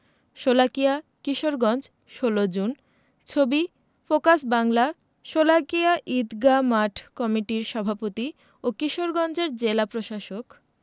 Sholakia Kishoreganj ১৬ June ছবি Focus Bangla Sholakia Eidgah মাঠ কমিটির সভাপতি ও কিশোরগঞ্জের জেলা প্রশাসক